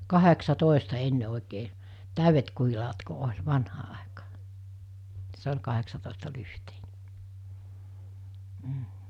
kahdeksantoista ennen oikein täydet kuhilaat kun oli vanhaa aikaa se oli kahdeksantoistalyhteinen mm